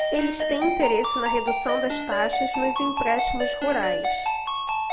eles têm interesse na redução das taxas nos empréstimos rurais